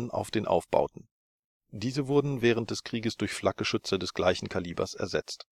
auf den Aufbauten. Diese wurden während des Krieges durch Flakgeschütze des gleichen Kalibers ersetzt